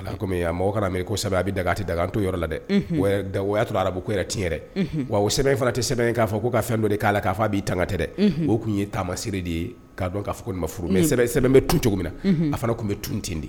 A kɔmi mɔgɔ mɛn ko a bɛ dagati dagan to yɔrɔ la dɛ gagoya to arabu tiy dɛ wa sɛbɛnbɛ in fana tɛ sɛbɛnbɛn in k'a fɔ ko ka fɛn dɔ k'a la ka fɔ a b'i tan ka tɛ dɛ o tun ye taama seere de ye kaa dɔn' fɔ nin furu sɛbɛn bɛ tu cogo min na a fana tun bɛ tun ten di